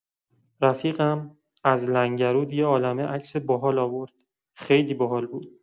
رفیقم، از لنگرود یه عالمه عکس باحال آورد، خیلی باحال بود.